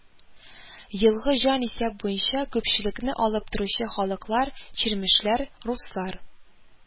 Елгы җанисәп буенча күпчелекне алып торучы халыклар: чирмешләр, руслар